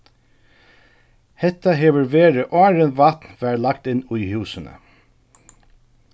hetta hevur verið áðrenn vatn varð lagt inn í húsini